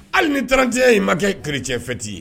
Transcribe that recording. Hali ni trantiya ye makɛ kereccɛfɛti ye